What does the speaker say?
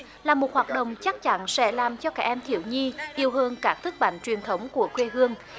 là một hoạt động chắc chắn sẽ làm cho các em thiếu nhi yêu hương cả thức bản truyền thống của quê hương